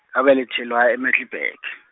ngabelethelwa e- Middelburg.